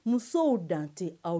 Musow dan tɛ aw